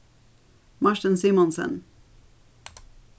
martin simonsen